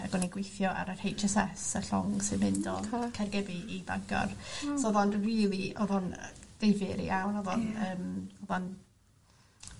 ag o'n i gweithio ar y Haitch Ess Ess y llong sy'n mynd o... Oce. ...Caergybi i Bangor. O. So o'dd o'n rili o'dd o'n yy difyr iawn o'dd o'n yym o'dd a'n